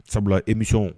Sabula emisɔnɔn